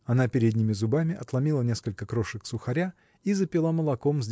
Она передними зубами отломила несколько крошек сухаря и запила молоком